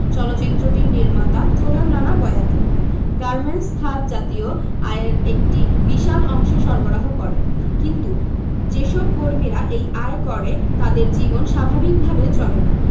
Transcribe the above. চলচ্চিত্রটির নির্মাতা সোহেল রানা বয়াতি গার্মেন্টস খাত জাতীয় আয়ের একটি বিশাল অংশ সরবারহ করে কিন্তু যেসব কর্মীরা এই আয় করে তাদের জীবন স্বাভাবিক ভাবে চলে না